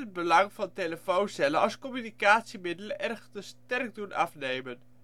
belang van telefooncellen als communicatiemiddelen echter sterk doen afnemen